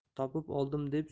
topib oldim deb